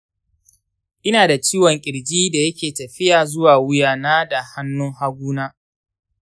ina da ciwon ƙirji da yake tafiya zuwa wuya na da hannun hagu na.